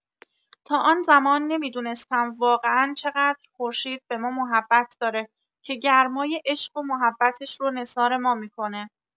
تا آن‌زمان نمی‌دونستم واقعا چقدر خورشید به ما محبت داره که گرمای عشق و محبتش رو نثار ما می‌کنه.